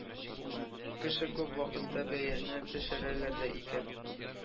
Кеше күп вакытта бәяне төшерәләр дә икән.